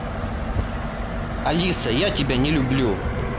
алиса я тебя не люблю